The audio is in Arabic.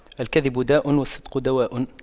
الكذب داء والصدق دواء